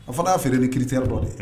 A fana y'a feere ni kiirite dɔ de ye